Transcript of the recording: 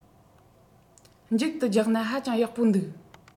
མཇུག ཏུ རྒྱག ན ཧ ཅང ཡག པོ འདུག